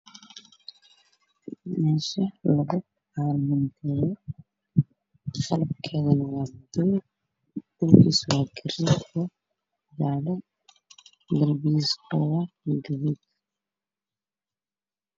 Waa meesha jiimka lagu galo qalabka